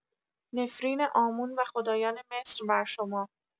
نفرین عامون و خدایان مصر بر شما